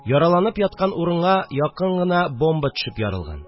Яраланып яткан урынга якын гына бомба төшеп ярылган